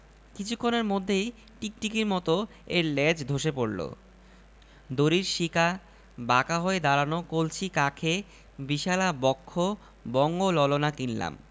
অনেকটা কচ্ছপের মত দেখতে কি যেন বিক্রি হচ্ছে খুব সস্তায় এক টাকা পিস সবাই কিনছে আমিও কিনলাম তারপর কিনলাম দু'খানা রবিঠাকুর এবারের মেলায় রবিঠাকুর খুব সস্তায় বিক্রি হচ্ছে